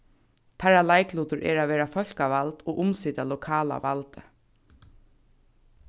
teirra leiklutur er at vera fólkavald og umsita lokala valdið